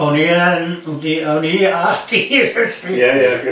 O'n i yn... yndi... o'n i a chdi felly. Ia ia.